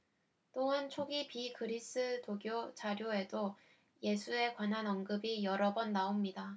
또한 초기 비그리스도교 자료에도 예수에 관한 언급이 여러 번 나옵니다